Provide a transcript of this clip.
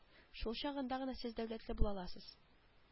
Шул чагында гына сез дәүләтле булаласыз